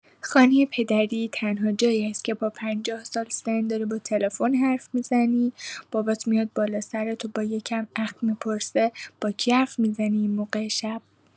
خانۀ پدری تنها جایی است که با پنجاه سال سن داری با تلفن حرف می‌زنی، بابات می‌اید بالای سرت وبا یه کم اخم، می‌پرسه: با کی حرف می‌زنی اینموقع شب؟